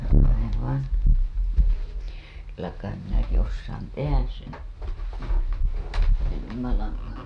minä haen vain kyllä kai minäkin osaan tehdä sen venymälangan